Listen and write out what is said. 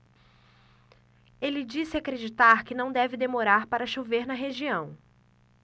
ele disse acreditar que não deve demorar para chover na região